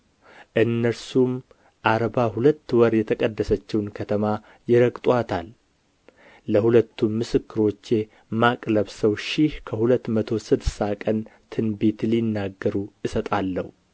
እነርሱም አርባ ሁለት ወር የተቀደሰችውን ከተማ ይረግጡአታል ለሁለቱም ምስክሮቼ ማቅ ለብሰው ሺህ ከሁለት መቶ ስድሳ ቀን ትንቢት ሊናገሩ እሰጣለሁ